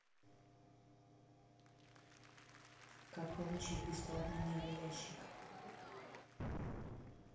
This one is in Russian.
как получить бесплатно мега ящик